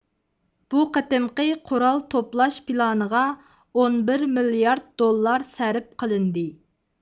بۇ قېتىمقى قورال توپلاش پىلانىغا ئون بىر مىليارد دوللار سەرپ قىلىندى